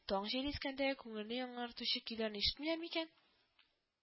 Таң җиле искәндәге күңелне яңартучы көйләрне ишетмиләр икән